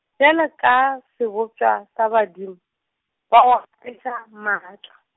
bjale ka, sebopša sa badim-, ba o apeša maatla.